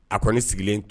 A kɔni ni sigilen to